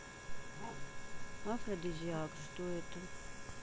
афродизиак что это